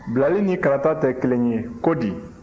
bilali ni karata tɛ kelen ye ko di